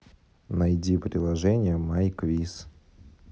найди приложение май квиз